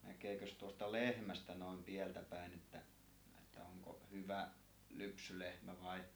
näkeekös tuosta lehmästä noin päältä päin että että onko hyvä lypsylehmä vai